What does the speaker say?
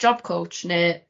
job coach ne'